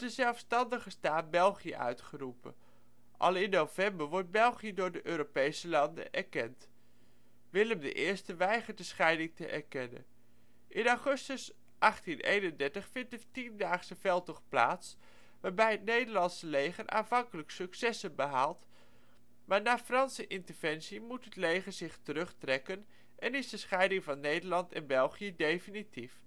zelfstandige staat België uitgeroepen, al in november wordt België door de Europese landen erkend. Willem I weigert de scheiding te erkennen. In augustus 1831 vindt de Tiendaagse Veldtocht plaats, waarbij het Nederlandse leger aanvankelijk successen behaalt, maar na Franse interventie moet het leger zich terugtrekken en is de scheiding van Nederland en België definitief